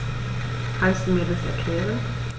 Kannst du mir das erklären?